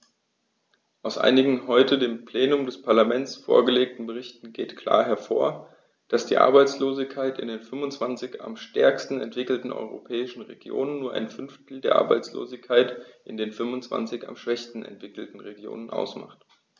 Aus einigen heute dem Plenum des Parlaments vorgelegten Berichten geht klar hervor, dass die Arbeitslosigkeit in den 25 am stärksten entwickelten europäischen Regionen nur ein Fünftel der Arbeitslosigkeit in den 25 am schwächsten entwickelten Regionen ausmacht.